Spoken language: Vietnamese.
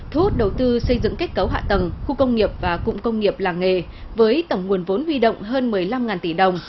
thu hút đầu tư xây dựng kết cấu hạ tầng khu công nghiệp và cụm công nghiệp làng nghề với tổng nguồn vốn huy động hơn mười lăm ngàn tỷ đồng